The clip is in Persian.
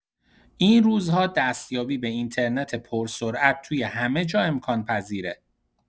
این روزها دستیابی به اینترنت پرسرعت توی همه جا امکان‌پذیره.